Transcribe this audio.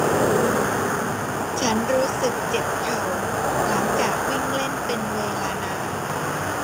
ฉันรู้สึกเจ็บเข่าหลังจากวิ่งเล่นเป็นเวลานาน